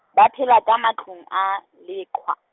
ba phela ka matlung a, leqhwa.